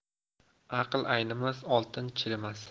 aql aynimas oltin chirimas